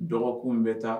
Dɔgɔkun n bɛ taa